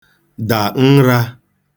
dà nrā